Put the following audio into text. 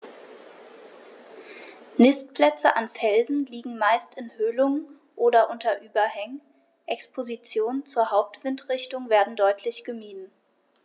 Nistplätze an Felsen liegen meist in Höhlungen oder unter Überhängen, Expositionen zur Hauptwindrichtung werden deutlich gemieden.